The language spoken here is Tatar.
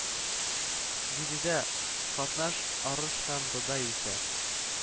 Биредә катнаш арыш һәм бодай үсә